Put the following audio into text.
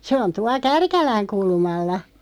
se on tuolla Kärkälän kulmalla